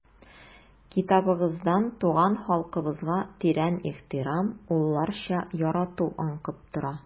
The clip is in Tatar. Китабыгыздан туган халкыбызга тирән ихтирам, улларча ярату аңкып тора.